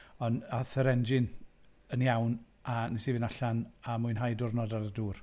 Ond aeth yr engine yn iawn a wnes i fynd allan a mwynhau diwrnod ar y dŵr.